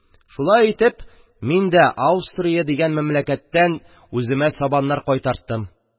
Шулай итеп, мин дә Аустрия дигән мәмләкәттән үземә сабаннар кайтарттым.